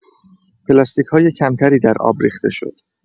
پلاستیک‌های کم‌تری در آب ریخته شد.